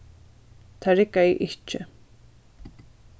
tað riggaði ikki